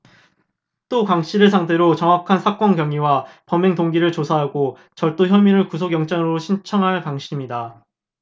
또 강씨를 상대로 정확한 사건경위와 범행 동기를 조사하고 절도 혐의로 구속영장을 신청할 방침이다